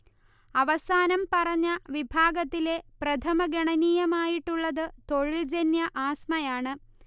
അവസാനം പറഞ്ഞ വിഭാഗത്തിലെ പ്രഥമഗണനീയമായിട്ടുള്ളത് തൊഴിൽജന്യ ആസ്മയാണ്